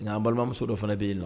Nka an balimamuso dɔ fana bɛ yen nɔn